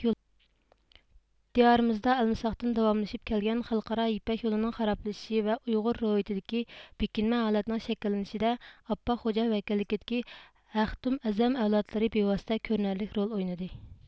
دىيارىمىزدا ئەلمىساقتىن داۋاملىشىپ كەلگەن خەلقئارا يىپەك يولىنىڭ خارابلىشىشى ۋە ئۇيغۇر روھىيتىدىكى بېكىنمە ھالەتنىڭ شەكىللىنىشىدە ئاپپاق خوجا ۋەكىللىكىدىكى ھەختۇم ئەزەم ئەۋلادلىرى بىۋاستە كۆرۈنەرلىك رول ئوينىدى